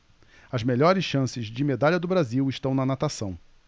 as melhores chances de medalha do brasil estão na natação